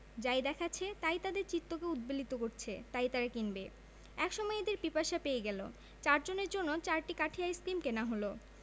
যাই দেখাচ্ছে তাই তাদের চিত্তকে উদ্বেলিত করছে তাই তারা কিনবে এক সময় এদের পিপাসা পেয়ে গেল চারজনের জন্যে চারটি কাঠি আইসক্রিম কেনা হল